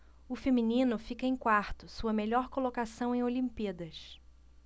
o feminino fica em quarto sua melhor colocação em olimpíadas